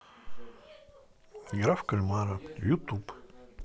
игра в кальмара ютуб